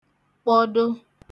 kpọdo